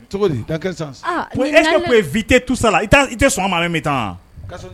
E tɛ i tɛ bɛ taa wa